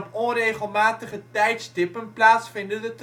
onregelmatige tijdstippen plaatsvindende